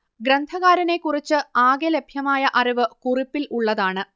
ഗ്രന്ഥകാരനെക്കുറിച്ച് ആകെ ലഭ്യമായ അറിവ് കുറിപ്പിൽ ഉള്ളതാണ്